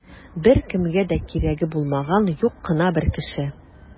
Беркемгә дә кирәге булмаган юк кына бер кеше.